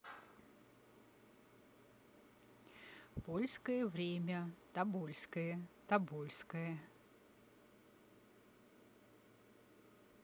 польское время тобольское тобольское